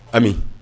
Ami